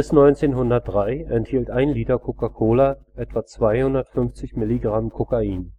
1903 enthielt 1 l Coca-Cola etwa 250 mg Cocain